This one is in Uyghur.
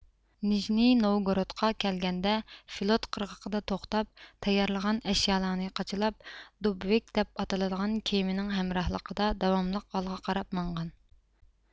نىژنى نوۋگورودقا كەلگەندە فلوت قىرغىقىدا توختاپ تەييارلىغان ئەشيالارنى قاچىلاپ دۇبۋىك دەپ ئاتىلىدىغان كېمىنىڭ ھەمراھلىقىدا داۋاملىق ئالغا قاراپ ماڭغان